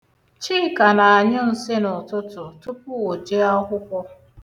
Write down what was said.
Chika na-anyụ nsị n'ụtutụ tupu o jee akwụkwọ.